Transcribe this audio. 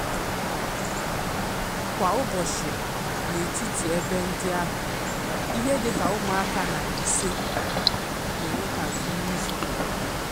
Kwa ụbọchị n'etiti ebe ndị ahụ ihe dị ka ụmụaka 500 na-enwetazu nrị zuru oke.